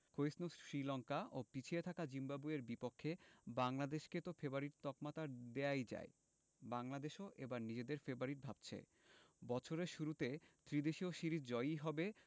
ক্ষয়িষ্ণু শ্রীলঙ্কা ও পিছিয়ে থাকা জিম্বাবুয়ের বিপক্ষে বাংলাদেশকে তো ফেবারিট তকমাতার দেওয়াই যায় বাংলাদেশও এবার নিজেদের ফেবারিট ভাবছে বছরের শুরুতে ত্রিদেশীয় সিরিজ জয়ই হবে